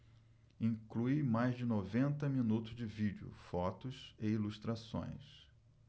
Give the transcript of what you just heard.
inclui mais de noventa minutos de vídeo fotos e ilustrações